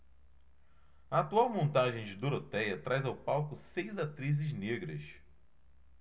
a atual montagem de dorotéia traz ao palco seis atrizes negras